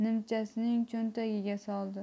nimchasining cho'ntagiga soldi